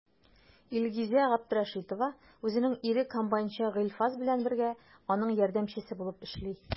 Илгизә Габдрәшитова үзенең ире комбайнчы Гыйльфас белән бергә, аның ярдәмчесе булып эшли.